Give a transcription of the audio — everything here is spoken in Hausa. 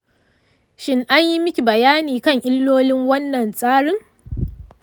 shin an yi maki bayani kan illolin wannan tsarin ?